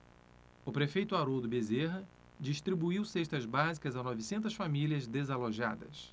o prefeito haroldo bezerra distribuiu cestas básicas a novecentas famílias desalojadas